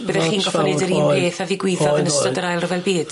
Byddech chi'n gorffo neud yr un peth a ddigwyddodd yn ystod yr ail ryfel byd?